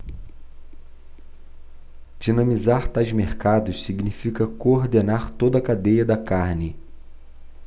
dinamizar tais mercados significa coordenar toda a cadeia da carne